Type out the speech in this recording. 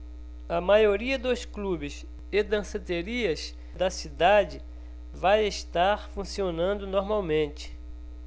a maioria dos clubes e danceterias da cidade vai estar funcionando normalmente